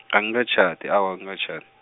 angikatjhadi awa angikatjha- .